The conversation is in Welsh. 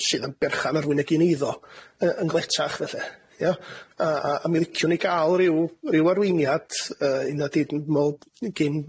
yn gwbod osgoi diffyg cydymdeimlad efo cyrion y sir 'ma yr han yr hanna mwya yy